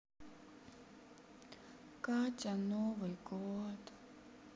катя новый год